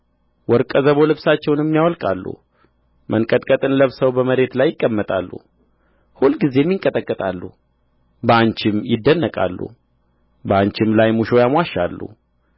ወርቀ ዘቦ ልብሳቸውንም ያወልቃሉ መንቀጥቀጥን ለብሰው በመሬት ላይ ይቀመጣሉ ሁልጊዜም ይንቀጠቀጣሉ በአንቺም ይደነቃሉ በአንቺም ላይ ሙሾ ያሞሻሉ